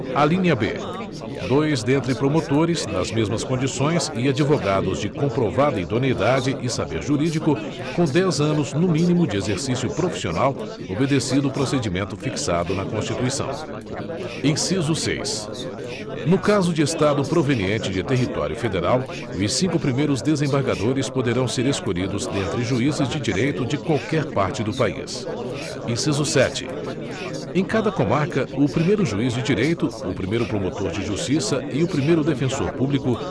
alínea b dois dentre promotores nas mesmas condições e advogados de comprovada idoneidade e saber jurídico com dez anos no mínimo de exercício profissional obedecido o procedimento fixado na constituição inciso seis no caso de estado proveniente de território federal os cinco primeiros desembargadores poderão ser escolhidos dentre juízes de direito de qualquer parte do país inciso sete em cada comarca o primeiro juiz de direito o primeiro promotor de justiça e o primeiro defensor público